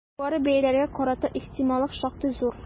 Югары бәяләргә карата ихтималлык шактый зур.